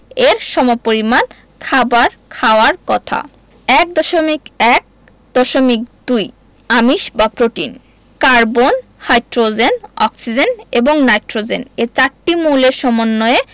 এর সমপরিমান খাবার খাওয়ার কথা ১.১.২ আমিষ বা প্রোটিন কার্বন হাইড্রোজেন অক্সিজেন এবং নাইট্রোজেন এ চারটি মৌলের সমন্বয়ে